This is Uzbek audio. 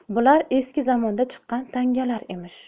bular eski zamonda chiqqan tangalar emish